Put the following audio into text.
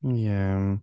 Ie.